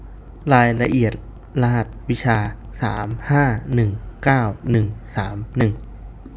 รายละเอียดรหัสวิชาสามห้าหนึ่งเก้าหนึ่งสามหนึ่ง